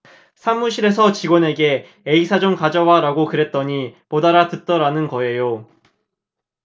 사무실에서 직원에게 에이사 좀 가져와라고 그랬더니 못 알아듣더라는 거예요